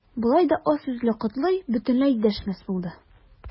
Болай да аз сүзле Котлый бөтенләй дәшмәс булды.